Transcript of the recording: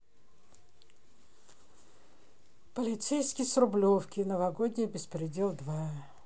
полицейский с рублевки новогодний беспредел два